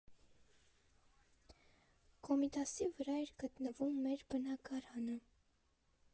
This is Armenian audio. Կոմիտասի վրա էր գտնվում մեր բնակարանը։